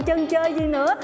chần chờ gì nữa